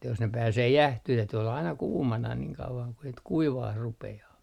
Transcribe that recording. että jos ne pääsee jäähtymään täytyi olla aina kuumana niin kauan kuin sitten kuivamaan rupeaa